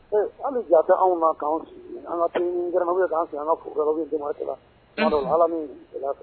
An bɛ ja anw ma an ka gma k'an fili an ka jamana cɛla ala min